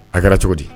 A kɛra cogo di